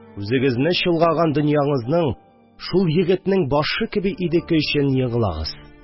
Үзеңезне чолгаган дөньяңызның шул егетнең башы кеби идеке өчен еглаңыз